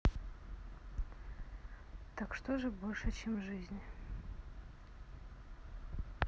так что же больше чем жизнь